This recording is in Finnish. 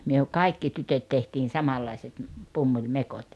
me kaikki tytöt tehtiin samanlaiset - pumpulimekot